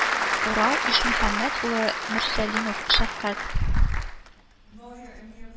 Урал Ишмөхәммәт улы Мөрсәлимов, шәфкать